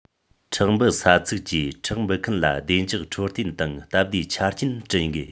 ཁྲག འབུལ ས ཚུགས ཀྱིས ཁྲག འབུལ མཁན ལ བདེ འཇགས འཕྲོད བསྟེན དང སྟབས བདེའི ཆ རྐྱེན བསྐྲུན དགོས